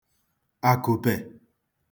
àkùpè